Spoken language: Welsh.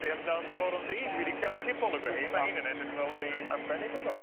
Be' amdan dy foron di? Wel... Dwi 'di ca'l cipolwg ar rhein ma' hein yn edrych fel rei arbennig o dda.